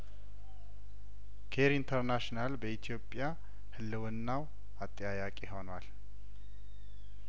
ኬር ኢንተርናሽናል በኢትዮጵያ ህልውናው አጠያያቂ ሆኗል